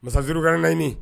Masazurukaranaɲini